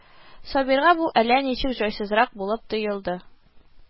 Сабирга бу әллә ничек җайсызрак булып тоелды